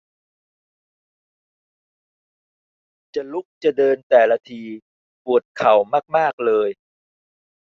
จะลุกจะเดินแต่ละทีปวดเข่ามากมากเลย